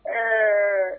Ɛɛ